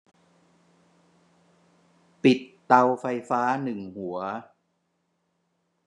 ปิดเตาไฟฟ้าหนึ่งหัว